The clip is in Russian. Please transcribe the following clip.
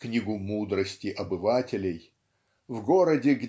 книгу мудрости обывателей в городе